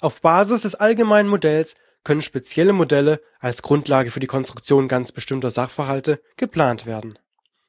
Auf Basis des allgemeinen Modells können spezielle Modelle (als Grundlage für die Konstruktion ganz bestimmter Sachverhalte) geplant werden.